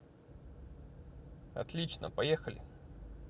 отлично поехали